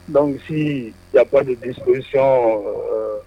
Donc si il n' y a pas de disposition ,